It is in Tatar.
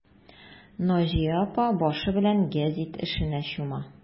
Наҗия апа башы белән гәзит эшенә чума.